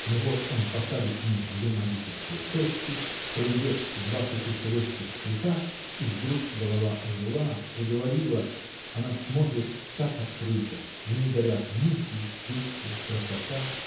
Но вот он посадит в них две магические точки, проведет два каких-то резких штриха, и вдруг голова ожила, заговорила, она смотрит так открыто, в ней горят мысль, чувство, красота.